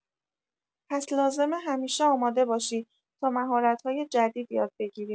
پس لازمه همیشه آماده باشی تا مهارت‌های جدید یاد بگیری.